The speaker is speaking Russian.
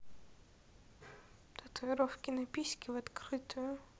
татуировки на письке в открытую